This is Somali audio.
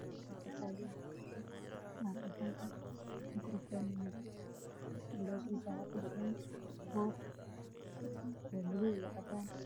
Meeshan waxaa taagan nin wata shaati cadaana iyo og yaalo